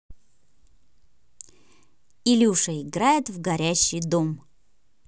илюша играет в горящий дом